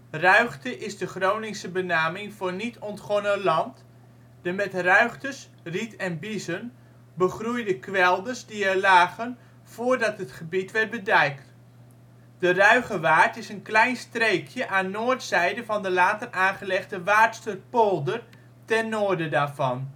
Ruigte is de Groningse benaming voor niet-ontgonnen land; de met ruigtes (riet en biezen) begroeide kwelders die er lagen voordat het gebied werd bedijkt. De Ruigewaard is een klein streekje aan noordzijde van de later aangelegde Waardsterpolder ten noorden daarvan